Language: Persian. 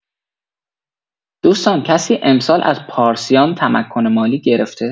دوستان کسی امسال از پارسیان تمکن مالی گرفته؟